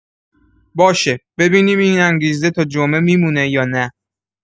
باشه، ببینیم این انگیزه تا جمعه می‌مونه یا نه.